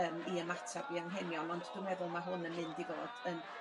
yym i ymatab i anghenion ond dw meddwl ma' hwn yn mynd i fod yn